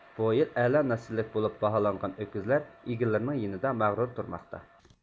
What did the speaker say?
بۇ يىل ئەلا نەسىللىك بولۇپ باھالانغان ئۆكۈزلەر ئىگىلىرىنىڭ يېنىدا مەغرۇر تۇرماقتا